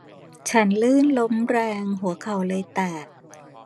ฉันลื่นล้มแรงหัวเข่าเลยแตก